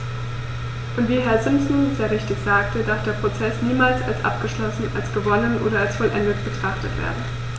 Und wie Herr Simpson sehr richtig sagte, darf der Prozess niemals als abgeschlossen, als gewonnen oder als vollendet betrachtet werden.